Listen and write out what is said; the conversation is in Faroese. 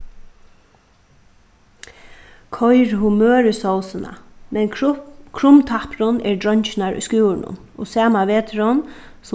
koyr humør í sósina men krummtappurin eru dreingirnar í skúrinum og sama veturin